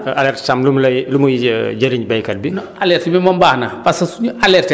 am na solo bu dee alerte bi tam am na alerte tam lu mu lay lu muy jëriñ béykat bi